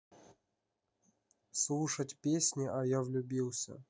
слушать песни а я влюбился